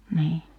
niin